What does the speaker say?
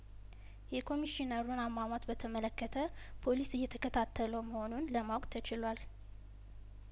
የኮሚሽነሩን አሟሟት በተመለከተ ፖሊስ እየተከታተለው መሆኑን ለማወቅ ተችሏል